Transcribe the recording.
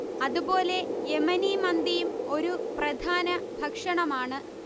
അത് പോലെ യെമനി മന്തിയും ഒരു പ്രധാന ഭക്ഷണമാണ്